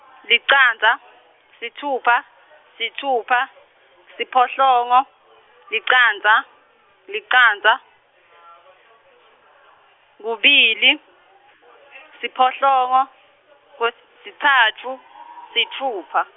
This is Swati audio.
licandza, sitfupha, sitfupha, siphohlongo, licandza, licandza , kubili, siphohlongo, kes- sitsatfu, sitfupha.